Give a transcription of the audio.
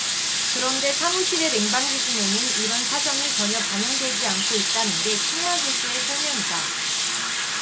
그런데 사무실의 냉방기준에는 이런 사정이 전혀 반영되지 않고 있다는 게 킹마 교수의 설명이다